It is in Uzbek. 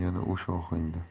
yana o'sha ohangda